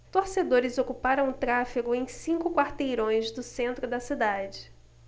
torcedores ocuparam o tráfego em cinco quarteirões do centro da cidade